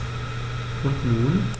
Und nun?